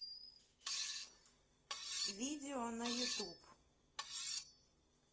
видео на ютуб